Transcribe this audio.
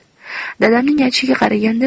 dadamning aytishiga qaraganda